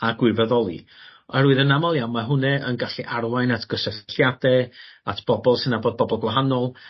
a gwirfoddoli oerwydd yn amal iawn ma' hwnne yn gallu arwain at gysylltiade at bobol sy nabod bobol gwahanol.